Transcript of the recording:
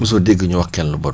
mosoo dégg ñu wax kenn lu bon